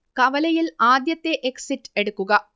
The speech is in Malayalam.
കവലയിൽ ആദ്യത്തെ എക്സിറ്റ് എടുക്കുക